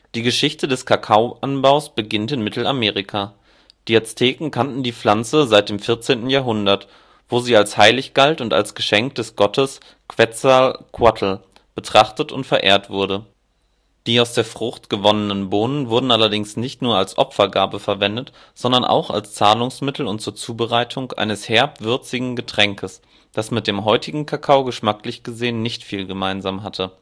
Die Geschichte des Kakaoanbaus beginnt in Mittelamerika. Die Azteken kannten die Pflanze seit dem 14. Jahrhundert, wo sie als heilig galt und als Geschenk des Gottes Quetzalcoatl betrachtet und verehrt wurde. Die aus der Frucht gewonnenen Bohnen wurden allerdings nicht nur als Opfergabe verwendet, sondern auch als Zahlungsmittel und zur Zubereitung eines herb-würzigen Getränkes, das mit dem heutigen Kakao geschmacklich gesehen nicht viel gemeinsam hatte